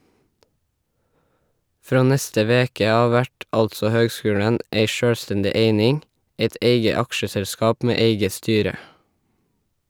Frå neste veke av vert altså høgskulen ei sjølvstendig eining, eit eige aksjeselskap med eige styre.